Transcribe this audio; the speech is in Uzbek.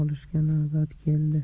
olishga navbat keldi